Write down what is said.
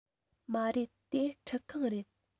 མ རེད དེ ཁྲུད ཁང རེད